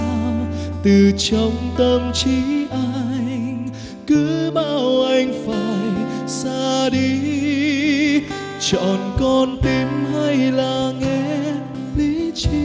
từ trong tâm trí anh cứ bảo anh phải ra đi chọn con tim hay là nghe lý trí